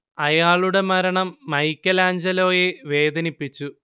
അയാളുടെ മരണം മൈക്കെലാഞ്ചലോയെ വേദനിപ്പിച്ചു